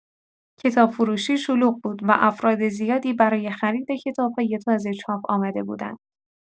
کتاب‌فروشی شلوغ بود و افراد زیادی برای خرید کتاب‌های تازه‌چاپ آمده بودند.